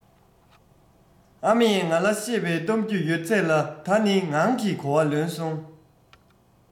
ཨ མས ང ལ བཤད པའི གཏམ རྒྱུད ཡོད ཚད ལ ད ནི ངང གིས གོ བ ལོན སོང